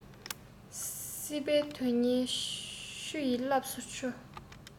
སྲེད པས དོན གཉེར ཆུ ཡི རླབས སུ འཕྱོ